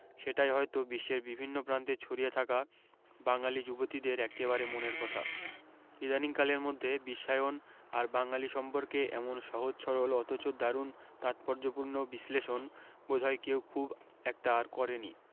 সেটাই হয়ত বিশ্বের বিভিন্ন প্রান্তে ছড়িয়ে থাকা বাঙালী যুবতীদের এক্কেবারে মনের কথা ইদানীং কালের মধ্যে বিশ্বায়ন আর বাঙালী সম্পর্কে এমন সহজ সরল অথচ দারুণ তাৎপর্যপূর্ণ বিস্লেষন বোধ হয় কেউ খুব একটা আর করেনি